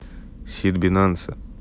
sid binance